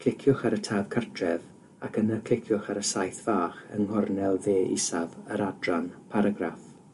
cliciwch ar y tab Cartref ac yna cliciwch ar y saeth fach yng nghornel dde isaf yr adran Paragraff.